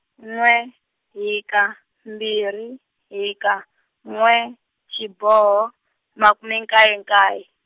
n'we hika mbirhi hika n'we xiboho makume nkaye nkaye.